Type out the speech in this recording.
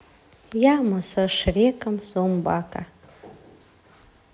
яма со шреком зомбака